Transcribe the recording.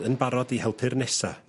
...yn barod i helpu'r nesa.